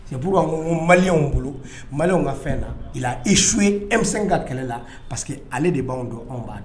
Cɛuru an ko mali bolo maliw ka fɛn na e su ye emisɛn ka kɛlɛ la parce que ale de b'an dɔn anw b'a